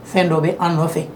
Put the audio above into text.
Fɛn dɔ bɛ an nɔfɛ